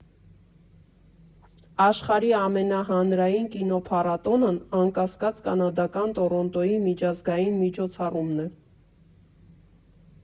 Աշխարհի ամենահանրային կինոփառատոնն, անկասկած, կանադական Տորոնտոյի միջազգային միջոցառումն է։